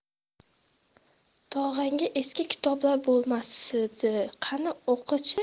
tog'angda eski kitoblar bo'lmasidi qani o'qi chi